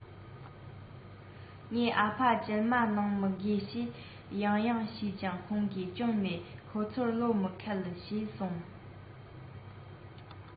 ངས ཨ ཕར སྐྱེལ མ གནང མི དགོས ཞེས ཡང ཡང ཞུས ཀྱང ཁོང གིས སྐྱོན མེད ཁོ ཚོར བློས མི འཁེལ ཞེས གསུངས